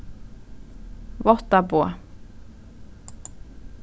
vátta boð